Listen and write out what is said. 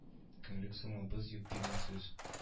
Көнлек сумыбыз юк дигән сүз